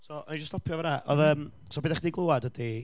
So, wnawn ni jyst stopio fanna. Oedd y... so be dach chi 'di glywed ydi